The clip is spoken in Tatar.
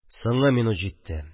Соңгы минут җитте